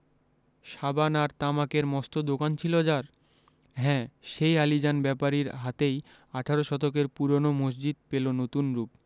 সাবান আর তামাকের মস্ত দোকান ছিল যার হ্যাঁ সেই আলীজান ব্যাপারীর হাতেই আঠারো শতকের পুরোনো মসজিদ পেলো নতুন রুপ